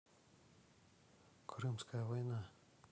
крымская война